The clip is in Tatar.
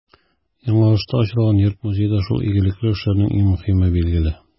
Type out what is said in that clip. Яңагошта ачылган йорт-музей да шул игелекле эшләрнең иң мөһиме, билгеле.